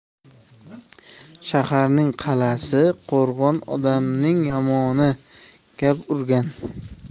shaharning qa'lasi qo'rg'on odamning yomoni gap urgan